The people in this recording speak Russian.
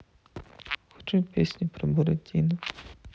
хочу песню про буратино